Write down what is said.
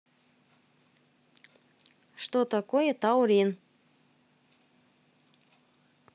что такое таурин